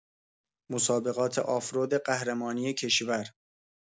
مسابقات آفرود قهرمانی کشور